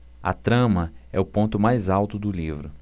a trama é o ponto mais alto do livro